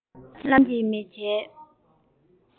རླབས ཆེན གྱི མེས རྒྱལ